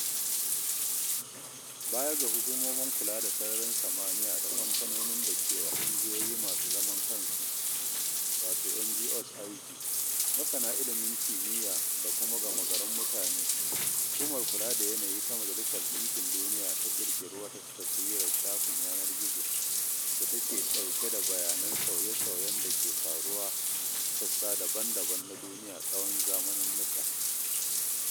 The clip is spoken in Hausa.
Baya ga hukumomin kula da sararin samaniya da kamfanonin da kewa ƙungiyoyi masu zaman kansu, wato NGOs aiki, masana ilimin kimiyya da kuma gama garin mutane, Hukumar Kula da Yanayi ta Majalisar Ɗinkin Duniya ta ƙirƙiri wata taswirar shafin yanar gizo da take ɗauke da bayanan sauye-sauyen dake faruwa a sassa daban-daban na duniya tsawon zamaninnika.